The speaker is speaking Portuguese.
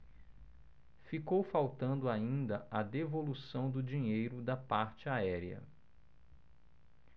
ficou faltando ainda a devolução do dinheiro da parte aérea